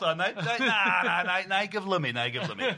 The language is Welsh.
na na na'i na'i gyflymu na'i gyflymu.